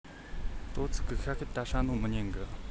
དོ ཚིགས གི ཤ ཤེད ད ཧྲ ནོ མི ཉན གི